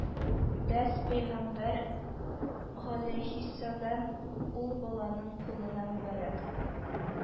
Бәс, пәйгамбәр галәйһиссәлам ул баланың кулына мөбарәк